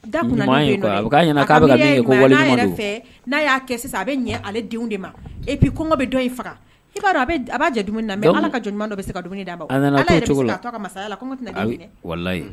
'aa a bɛ de ma jɔn